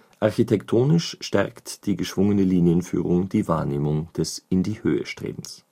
Architektonisch stärkt die geschwungene Linienführung die Wahrnehmung des In-die-Höhe-Strebens